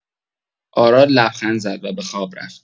آراد لبخند زد و به خواب رفت.